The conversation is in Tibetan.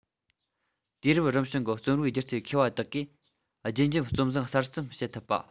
དུས རབས རིམ བྱུང གི རྩོམ རིག སྒྱུ རྩལ མཁས པ དག གིས རྒྱུན འབྱམས རྩོམ བཟང གསར རྩོམ བྱེད ཐུབ པ